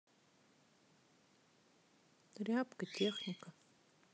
рябко техника